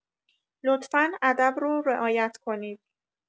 لطفا ادب رو رعایت کنید